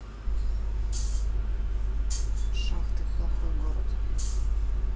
шахты плохой город